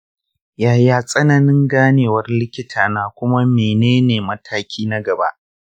yaya tsananin ganewar likitina kuma mene ne mataki na gaba?